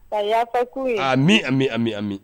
A' ko a min a bi amimi ami